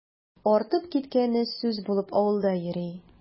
Артып киткәне сүз булып авылда йөри.